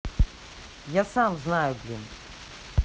я сам знаю блин